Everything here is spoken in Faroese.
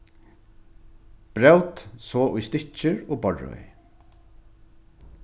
brót so í stykkir og borðreið